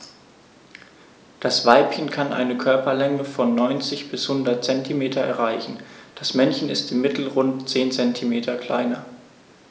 Das Weibchen kann eine Körperlänge von 90-100 cm erreichen; das Männchen ist im Mittel rund 10 cm kleiner.